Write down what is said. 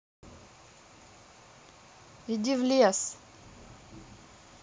иди в лес